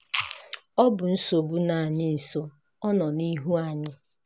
Ọ bụ nsogbu nọ anyị nso, ọ nọ n'ihu anyị.